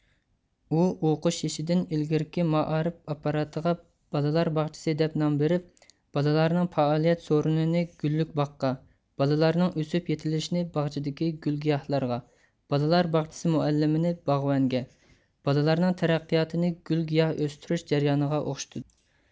ئۇ ئوقۇش يېشىدىن ئىلگىرىكى مائارىپ ئاپپاراتىغا بالىلار باغچىسى دەپ نام بېرىپ بالىلارنىڭ پائالىيەت سورۇنىنى گۈللۈك باغقا بالىلارنىڭ ئۆسۈپ يېتىلىشىنى باغچىدىكى گۈل گىياھلارغا بالىلار باغچىسى مۇئەللىمىنى باغۋەنگە بالىلارنىڭ تەرەققىياتىنى گۈل گىياھ ئۆستۈرۈش جەريانىغا ئوخشىتىدۇ